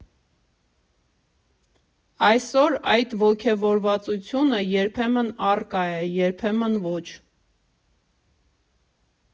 Այսօր այդ ոգևորվածությունը երբեմն առկա է, երբեմն ոչ։